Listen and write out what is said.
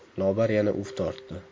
lobar yana uf tortdi